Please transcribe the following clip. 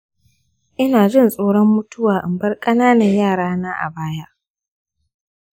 ina jin tsoron mutuwa in bar ƙananan yarana a baya.